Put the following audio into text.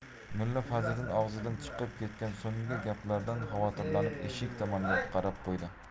mulla fazliddin og'zidan chiqib ketgan so'nggi gaplardan xavotirlanib eshik tomonga qarab qo'ydi